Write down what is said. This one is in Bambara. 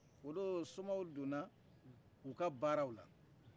o don somaw donna uka baaraw la